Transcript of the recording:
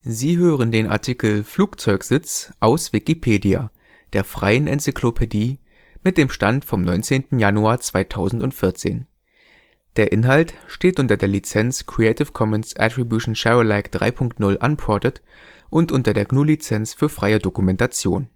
Sie hören den Artikel Flugzeugsitz, aus Wikipedia, der freien Enzyklopädie. Mit dem Stand vom Der Inhalt steht unter der Lizenz Creative Commons Attribution Share Alike 3 Punkt 0 Unported und unter der GNU Lizenz für freie Dokumentation